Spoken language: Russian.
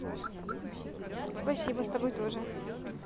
спасибо с тобой тоже